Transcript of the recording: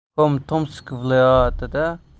com tomsk viloyatida